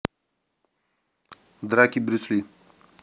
драки брюс ли